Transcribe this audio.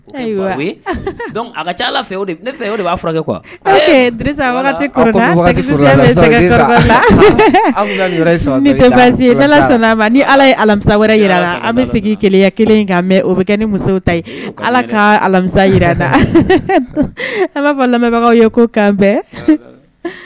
A ala de ba furakɛ kɔ ma ni ala ye alamisa wɛrɛ jira la an bɛ segin keya kelen ka mɛn o bɛ kɛ ni muso ta ye ala ka alamisa jira la an b'a fɔ lamɛnbagaw ye ko kan bɛn